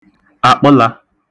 àkpə̣lā